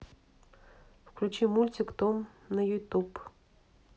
включи мультик том на ютуб